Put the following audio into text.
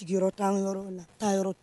Sigiyɔrɔ tan na taa yɔrɔ